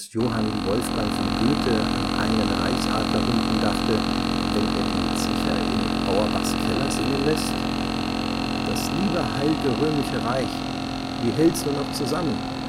Johann Wolfgang von Goethe an einen Reichsadlerhumpen dachte, wenn er die Zecher in Auerbachs Keller singen lässt: Das liebe Heil’ ge Röm’ sche Reich, Wie hält’ s nur noch zusammen